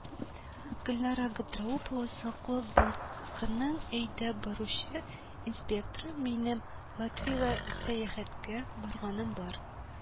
Гөлнара Габдрәупова, Саклык банкының әйдәп баручы инспекторы: Минем Латвиягә сәяхәткә барганым бар